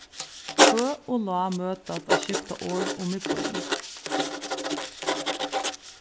høg og lág møtast at skifta orð um miðbýin